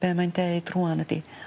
be' mae'n deud rhŵan ydi...